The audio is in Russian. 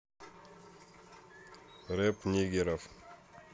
рэп нигеров